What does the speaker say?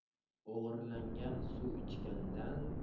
o'g'irlangan suv ichgandan